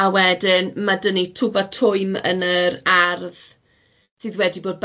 a wedyn ma' dan ni twba twym yn yr ardd sydd wedi bod